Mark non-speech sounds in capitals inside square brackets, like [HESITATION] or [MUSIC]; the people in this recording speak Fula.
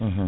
[HESITATION] [HESITATION]